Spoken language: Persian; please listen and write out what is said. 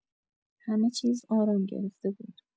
همه چیز آرام گرفته بود.